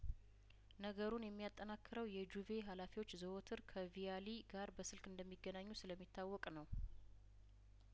ነገሩን የሚያጠናክረው የጁቬ ሀላፊዎች ዘወትር ከቪያሊ ጋር በስልክ እንደሚገናኙ ስለሚታወቅ ነው